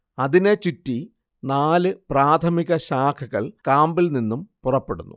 അതിനെ ചുറ്റി നാല് പ്രാഥമിക ശാഖകൾ കാമ്പിൽ നിന്ന് പുറപ്പെടുന്നു